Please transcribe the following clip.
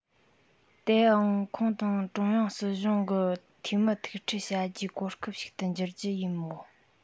དེའང ཁོང དང ཀྲུང དབྱང སྲིད གཞུང གི འཐུས མི ཐུག འཕྲད བྱ རྒྱུའི གོ སྐབས ཤིག ཏུ འགྱུར རྒྱུ ཡིན མོད